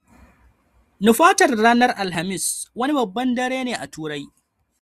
Nufatar ranar Alhamis, wani babban dare ne a Turai.